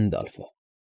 Հենդալֆը։